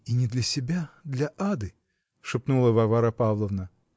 -- И не для себя, для Ады, -- шепнула Варвара Павловна.